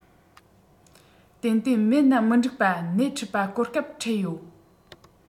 ཏན ཏན མེད ན མི འགྲིག པ སྣེ ཁྲིད པ གོ སྐབས འཕྲད ཡོད